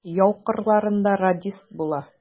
Яу кырларында радист була.